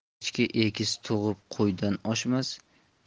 echki egiz tug'ib qo'ydan oshmas